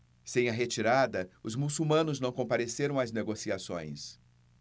sem a retirada os muçulmanos não compareceram às negociações